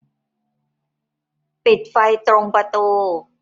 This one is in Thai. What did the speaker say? ปิดไฟตรงประตู